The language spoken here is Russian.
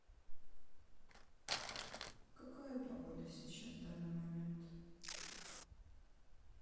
какая погода сейчас в данный момент